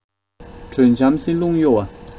དྲོད འཇམ བསིལ རླུང གཡོ བའི